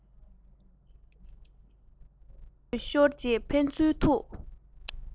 ཁ རྩོད ཤོར རྗེས ཕན ཚུན ཐུག